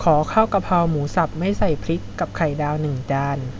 ขอข้าวกะเพราหมูสับไม่ใส่พริกกับไข่ดาวหนึ่งจาน